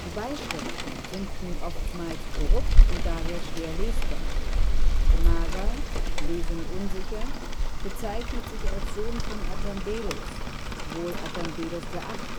Beischriften sind nun oftmals korrupt und daher schwer lesbar. Maga (Lesung unsicher) bezeichnet sich als Sohn von Attambelos (wohl Attambelos VIII.), was